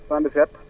77